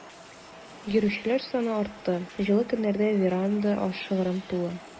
Йөрүчеләр саны артты, җылы көннәрдә веранда шыгрым тулы.